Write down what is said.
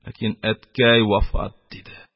Ләкин әткәй вафат! - диде.